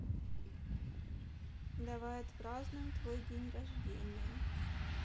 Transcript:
давай отпразднуем твой день рождения